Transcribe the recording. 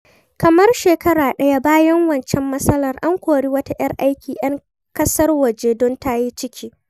Kamar shekara ɗaya bayan waccan matsalar, an kori wata 'yar aiki 'yan ƙasar waje don ta yi ciki.